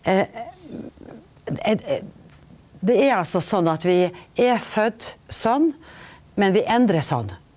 det er altså sånn at vi er fødde sånn men vi endrar sånn.